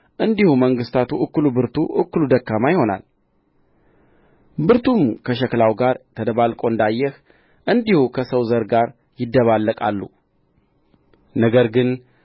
እንዲሁ መንግሥቱ እኩሉ ብርቱ እኩሉ ደካማ ይሆናል ብረቱም ከሸክላው ጋር ተደባልቆ እንዳየህ እንዲሁ ከሰው ዘር ጋር ይደባለቃሉ ነገር ግን